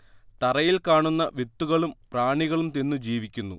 തറയിൽ കാണുന്ന വിത്തുകളും പ്രാണികളും തിന്നു ജീവിക്കുന്നു